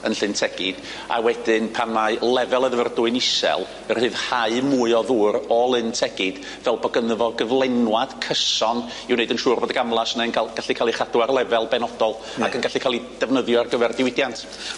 Yn Llyn Tegid a wedyn pan mae lefel y Ddyfyrdwy'n isel yn rhyddhau mwy o ddŵr o Lyn Tegid fel bo' gynno fo gyflenwad cyson i wneud yn siŵr bod y gamlas 'na yn ca'l gallu ca'l ei chadw ar lefel benodol ag yn gallu ca'l 'i defnyddio ar gyfer diwydiant.